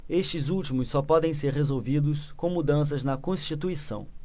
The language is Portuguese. estes últimos só podem ser resolvidos com mudanças na constituição